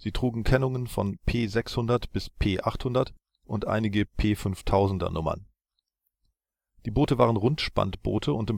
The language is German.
trugen Kennungen von P600 bis P800 und einige P5000er Nummern. Die Boote waren Rundspantboote und